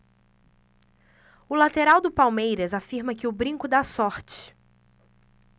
o lateral do palmeiras afirma que o brinco dá sorte